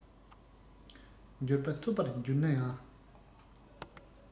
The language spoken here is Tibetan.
འབྱོར པ ཐོབ པར གྱུར ན ཡང